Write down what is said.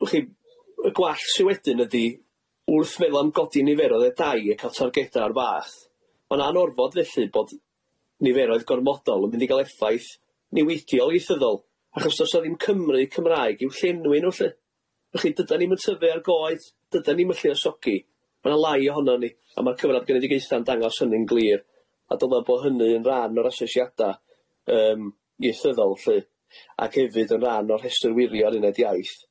D'ych chi yy y gwall sy wedyn ydi wrth feddwl am godi niferoedd e dai a ca'l targeda o'r fath ma'n anorfod felly bod niferoedd gormodol yn mynd i ga'l effaith niweidiol ieithyddol achos do's na ddim Cymru Cymraeg i'w llenwi n'w lly, dych chi dydan ni'm yn tyfu ar goed dydan ni'm yn lluosogi ma' na lai ohonon ni a ma'r cyfradd genedigaetha yn dangos hynny'n glir a dyla bo' hynny yn rhan o'r asesiada yym ieithyddol lly ac hefyd yn rhan o'r rhestr wirio'r uned iaith.